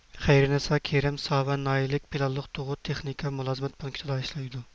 قەھرىمانلارنىڭ تۆھپىسى ئاسان قولغا كەلمىگەن ئۇنى ھەسسىلەپ قەدىرلىشىمىز لازىم